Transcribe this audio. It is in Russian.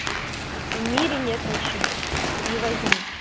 в мире нет ничего не возьму